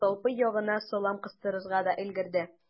Салпы ягына салам кыстырырга да өлгерде.